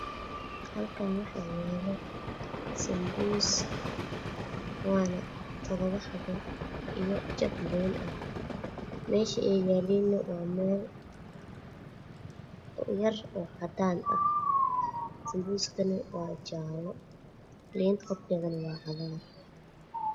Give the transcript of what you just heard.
Halkaan waxaa yaalo sanbuus todobo xabo ah iyo jab liin ah. Meesha ay yaaliin waa meel yar oo cadaan ah. Sanbuuska waa jaale liintana waa cagaar.